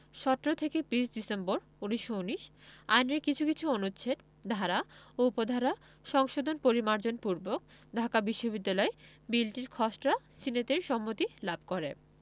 ১৭ থেকে ২০ ডিসেম্বর ১৯১৯ আইনের কিছু কিছু অনুচ্ছেদ ধারা ও উপধারা সংশোধন পরিমার্জন পূর্বক ঢাকা বিশ্ববিদ্যালয় বিলটির খসড়া সিনেটের সম্মতি লাভ করে